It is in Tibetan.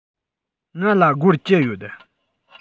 ང ལ སྒོར བཅུ ཡོད